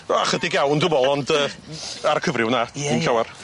O ychydig iawn dwi'n me'wl ond yy n- ar y cyfryw na. Ie ie. Dim llawar.